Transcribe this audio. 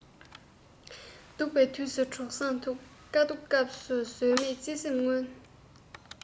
སྡུག པའི དུས སུ གྲོགས བཟང ཐུག དཀའ སྡུག སྐབས སུ ཟོལ མེད བརྩེ སེམས མངོན